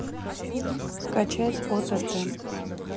скачать отт